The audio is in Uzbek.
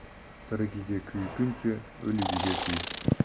tirigiga kuyguncha o'ligiga kuy